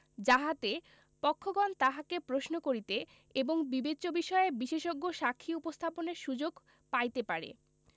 যাহাতে পক্ষগণ তাহাকে প্রশ্ন করিতে এবং বিবেচ্য বিষয়ে বিশেষজ্ঞ সাক্ষী উপস্থাপনের সুযোগ পাইতে পারে